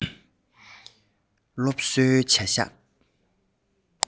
སློབ གསོའི བྱ གཞག